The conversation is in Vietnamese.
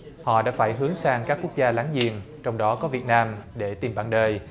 họ đã phải hướng sang các quốc gia láng giềng trong đó có việt nam để tìm bạn đời